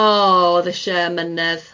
O o'dd ishe emynedd.